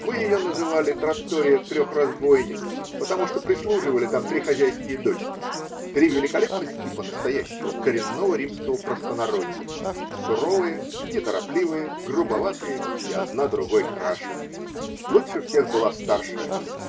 Мы ее назвали: траттория "Трех разбойниц", потому что прислуживали там три хозяйские дочки, три великолепных типа настоящего, коренного римского простонародья, суровые, неторопливые, грубоватые, и одна другой краше. Лучше всех была старшая